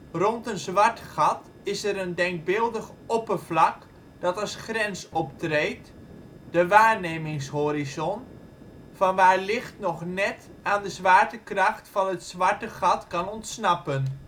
Rond een zwart gat is er een denkbeeldig oppervlak dat als grens optreedt, de waarnemingshorizon, vanwaar licht nog net aan de zwaartekracht van het zwarte gat kan ontsnappen